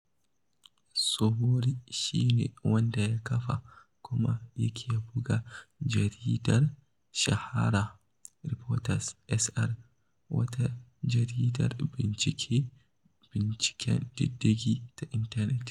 Sowore shi ne wanda ya kafa kuma yake buga jaridar SaharaReporters (SR) wata jaridar binciken diddigi ta intanet.